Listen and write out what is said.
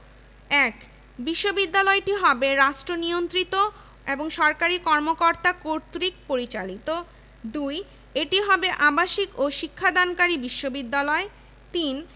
মোহাম্মদ আলী এবং D S. Fraser বঙ্গভঙ্গ পরিকল্পনার আওতায় পূর্ববাংলা ও আসাম সরকারের প্রশাসনিক দপ্তর প্রতিষ্ঠার জন্য রমনা এলাকায় ইতিপূর্বে অধিগ্রহণ করা